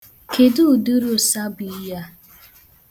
Kedụ ụdịrị ụsa bụ ihe?